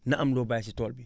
na am loo bàyyi si tool bi